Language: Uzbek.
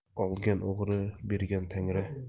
olgan o'g'ri beigan tangri